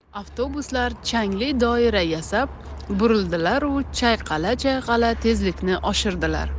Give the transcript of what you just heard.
avtobuslar changli doira yasab burildilaru chayqala chayqala tezlikni oshirdilar